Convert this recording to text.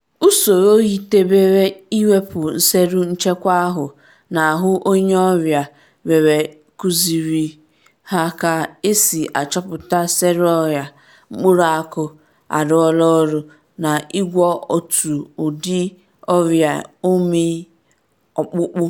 Usoro yitebere inwepụ selụ nchekwa ahụ n’ahụ onye ọrịa were “kuziere” ha ka-esi achọpụta selụ ọrịa mkpụrụ akụ arụọla ọrụ n’ịgwọ otu ụdị ọrịa ụmị ọkpụkpụ.